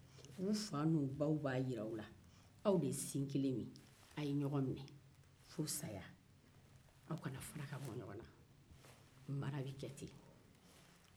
u fa n'u baw b'a jira u la ko aw de ye sin kelen min a' ye ɲɔgɔn minɛ fo saya aw kana fara ka bɔ ɲɔgɔn na baara bɛ kɛ ten de